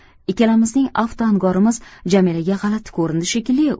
ikkalamizning aftu angorimiz jamilaga g'alati ko'rindi shekilli